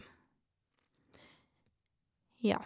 Ja.